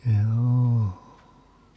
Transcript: joo